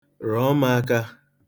Rọọ m aka.